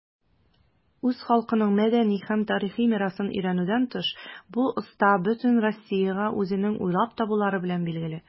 Үз халкының мәдәни һәм тарихи мирасын өйрәнүдән тыш, бу оста бөтен Россиягә үзенең уйлап табулары белән билгеле.